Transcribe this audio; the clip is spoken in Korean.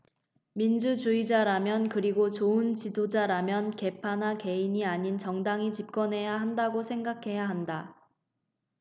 민주주의자라면 그리고 좋은 지도자라면 계파나 개인이 아닌 정당이 집권해야 한다고 생각해야 한다